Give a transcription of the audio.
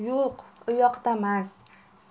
yo'q u yoqdamas